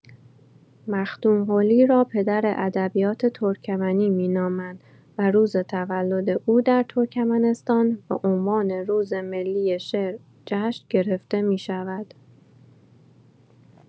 مختومقلی را پدر ادبیات ترکمنی می‌نامند و روز تولد او در ترکمنستان به عنوان روز ملی شعر جشن گرفته می‌شود.